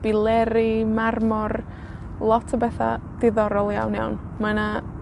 bileri marmor, lot o betha ddiddorol iawn, iawn. Mae 'na